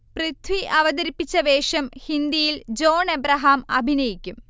പൃഥ്വി അവതരിപ്പിച്ച വേഷം ഹിന്ദിയിൽ ജോൺ ഏബ്രഹാം അഭിനയിക്കും